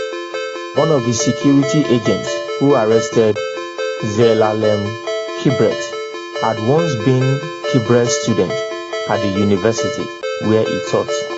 One of the security agents who arrested Zelalem Kibret had once been Kibret's student at the university where he taught.